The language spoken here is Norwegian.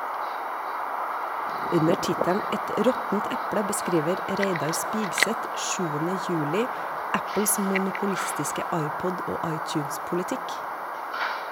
Under tittelen "Et råttent eple" beskriver Reidar Spigseth sjuende juli Apples monopolistiske iPod- og iTunes-politikk.